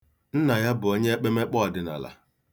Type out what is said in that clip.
Nna ya bụ onye ekpemekpe ọdịnala.